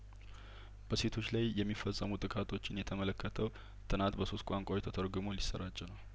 በሴቶች ላይ የሚፈጸሙ ጥቃቶችን የተመለከተው ጥናት በሶስት ቋንቋዎች ተተርጉሞ ሊሰራጭ ነው